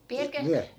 -